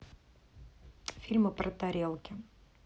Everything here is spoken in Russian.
фильмы про тарелки